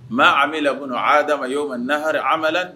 Mɛ an bɛ la' d'a ma y'o mɛn nahara a